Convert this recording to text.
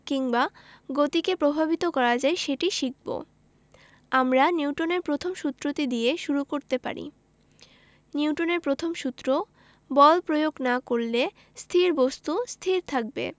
কিংবা গতিকে প্রভাবিত করা যায় সেটি শিখব আমরা নিউটনের প্রথম সূত্রটি দিয়ে শুরু করতে পারি নিউটনের প্রথম সূত্র বল প্রয়োগ না করলে স্থির বস্তু স্থির থাকবে